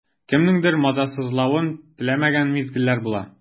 Кемнеңдер мазасызлавын теләмәгән мизгелләр була.